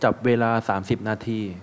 จับเวลาสามสิบนาที